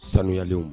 Sanuyalenw